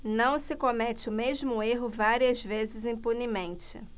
não se comete o mesmo erro várias vezes impunemente